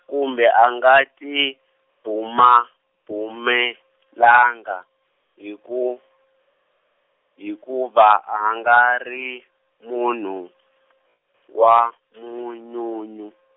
kambe a nga tibumabumelanga, hiku, hikuva a nga ri, munhu , wa manyunyu.